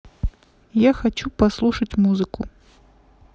я хочу послушать музыку